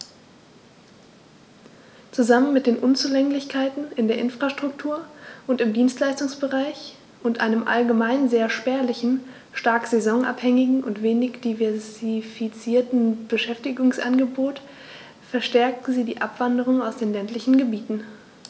Zusammen mit den Unzulänglichkeiten in der Infrastruktur und im Dienstleistungsbereich und einem allgemein sehr spärlichen, stark saisonabhängigen und wenig diversifizierten Beschäftigungsangebot verstärken sie die Abwanderung aus den ländlichen Gebieten.